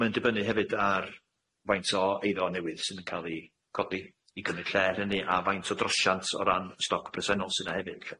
ma'n dibynnu hefyd ar faint o eiddo newydd sy'n yn ca'l i codi i gymryd lle'r hynny a faint o drosiant o ran stoc presennol sy' na hefyd lly.